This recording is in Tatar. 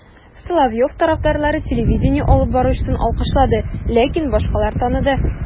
Соловьев тарафдарлары телевидение алып баручысын алкышлады, ләкин башкалар таныды: